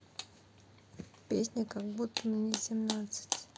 песня как будто мне семнадцать